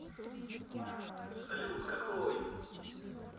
салют какой